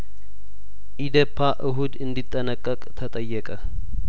ኢዴፓ እሁድ እንዲ ጠነቀቅ ተጠየቀ